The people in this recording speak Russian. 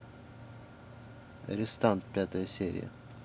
арестант пятая серия